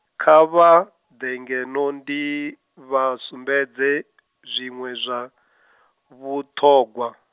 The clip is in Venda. kha vha, ḓe ngeno ndi, vha sumbedze, zwiṅwe zwa vhuṱhogwa.